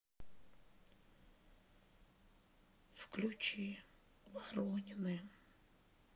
включи воронины